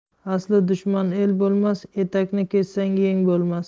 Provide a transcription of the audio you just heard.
asli dushman el bo'lmas etakni kessang yeng bo'lmas